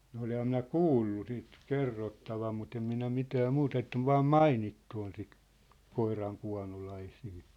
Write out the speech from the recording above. no olenhan minä kuullut sitten kerrottavan mutta en minä mitään mutta että on vain mainittu on sitten koirankuonolaisia